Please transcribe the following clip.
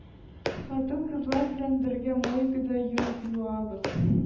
Хатын-кызлар белән бергә мойкада йон юабыз.